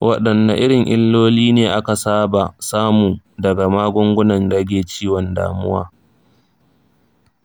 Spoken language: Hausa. waɗanne irin iloli ne aka saba samu daga magungunan rage ciwon damuwa?